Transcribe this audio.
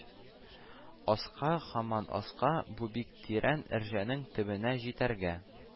Аска, һаман аска, бу бик тирән ´әрҗәнеңª төбенә җитәргә